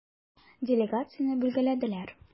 Делегацияне бүлгәләделәр.